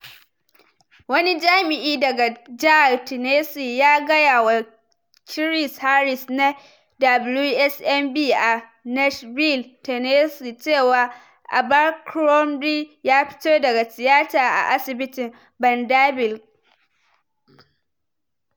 Wani jami'i daga jihar Tennessee ya gaya wa Chris Harris na WSMV a Nashville, Tennessee, cewa Abercrombie ya fito daga tiyatar a Asibitin Vanderbilt.